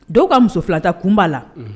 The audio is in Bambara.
Dɔw ka muso filata kunba la